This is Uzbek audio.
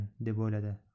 deb o 'yladi